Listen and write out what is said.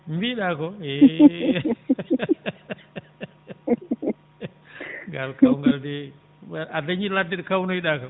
mbiɗaa ko e yaadu kawgal de wa a dañii ladde ɗo kawnoyɗa kam